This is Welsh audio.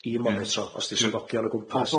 monitro os di'r swyddogion o gwmpas.